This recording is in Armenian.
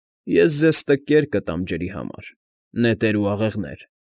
Ես ձեզ տկեր կտամ ջի համար, նետեր ու աղեղներ։